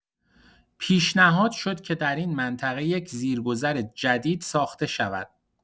پیشنهاد شد که در این منطقه یک زیرگذر جدید ساخته شود.